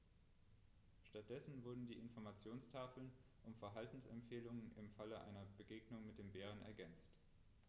Stattdessen wurden die Informationstafeln um Verhaltensempfehlungen im Falle einer Begegnung mit dem Bären ergänzt.